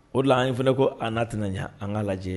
O la an fana ko an n'a tɛna an k'a lajɛ